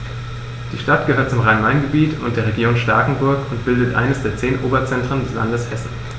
Die Stadt gehört zum Rhein-Main-Gebiet und der Region Starkenburg und bildet eines der zehn Oberzentren des Landes Hessen.